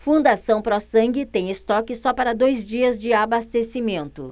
fundação pró sangue tem estoque só para dois dias de abastecimento